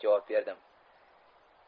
javob berdim